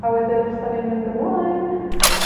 A wedyn, os 'dan ni'n mynd ymlaen,